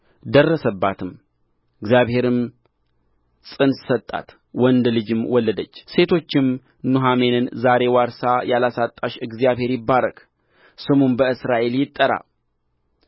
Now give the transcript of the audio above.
ደረሰባትም እግዚአብሔርም ፅንስ ሰጣት ወንድ ልጅም ወለደች ሴቶችም ኑኃሚንን ዛሬ ዋርሳ ያላሳጣሽ እግዚአብሔር ይባረክ ስሙም በእስራኤል ይጠራ